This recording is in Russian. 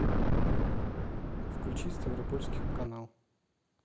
включи ставропольский канал